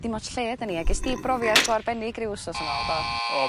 dim ots lle ydan ni a ges di brofiad go arbennig ryw wsos yn ôl do? O...